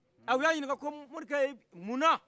a uya ɲinikan ko morikɛ muna